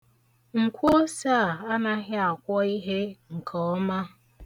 Nkwoose a anaghị akwọ ihe nke ọma.